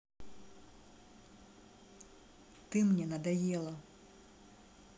ты мне надоела